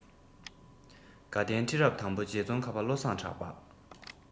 དགའ ལྡན ཁྲི རབས དང པོ རྗེ ཙོང ཁ པ བློ བཟང གྲགས པ